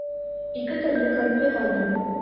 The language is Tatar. Ике төрле конфет алдым.